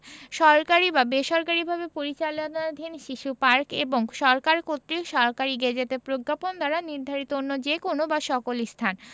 সরকারী বা বেসরকালিভাবে পরিচালনাধীন শিশু পার্ক এবং সরকার কর্তৃক সরকারী গেজেটে প্রজ্ঞাপন দ্বারা নির্ধারিত অন্য যে কোন বা সকল স্থান